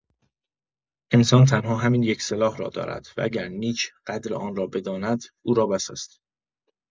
انسان تنها همین یک سلاح را دارد و اگر نیک قدر آن را بداند، او را بس است.